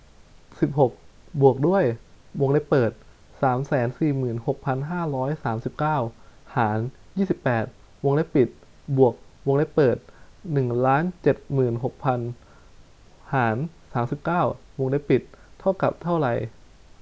สิบหกบวกด้วยวงเล็บเปิดสามแสนสี่หมื่นหกพันห้าร้อยสามสิบเก้าหารยี่สิบแปดวงเล็บปิดบวกวงเล็บเปิดหนึ่งล้านเจ็ดหมื่นหกพันหารสามสิบเก้าวงเล็บปิดเท่ากับเท่าไร